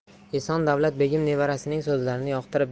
eson davlat begim nevarasining so'zlarini yoqtirib